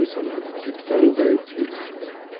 besamar o'tayotganady tuyulardi